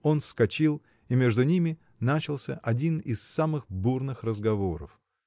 Он вскочил, и между ними начался один из самых бурных разговоров.